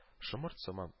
Шомырт сыман